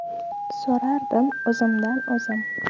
so'rardim o'zimdan o'zim